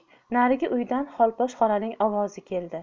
narigi uydan xolposh xolaning ovozi keldi